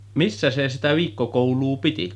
Missä se sitä viikkokoulua piti